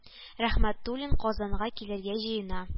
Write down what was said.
Рәхмәтуллин Казанга килергә җыена